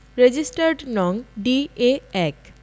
registered নং D A ১